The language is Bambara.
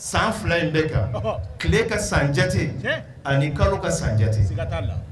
San fila in bɛ kan tile ka san jate ani kalo ka san jate